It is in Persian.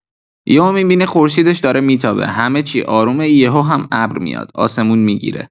یهو می‌بینی خورشیدش داره می‌تابه، همه چی آرومه، یهو هم ابر میاد، آسمون می‌گیره.